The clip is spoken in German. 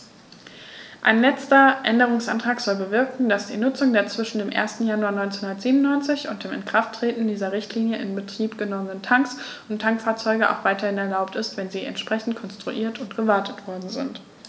Ein letzter Änderungsantrag soll bewirken, dass die Nutzung der zwischen dem 1. Januar 1997 und dem Inkrafttreten dieser Richtlinie in Betrieb genommenen Tanks und Tankfahrzeuge auch weiterhin erlaubt ist, wenn sie entsprechend konstruiert und gewartet worden sind.